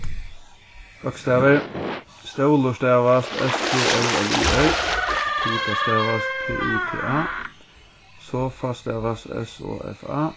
bókstavir stólur stavast s t ó l u r púta stavast p ú t a sofa stavast s o f a